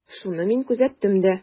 Шуны мин күзәттем дә.